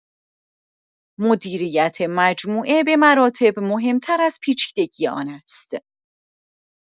مدیریت مجموعه به مراتب مهم‌تر از پیچیدگی آن است!